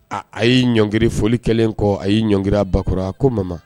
A a ye' ɲɔngiriri foli kɛlen kɔ a ye ɲɔngki bakkurara ko ma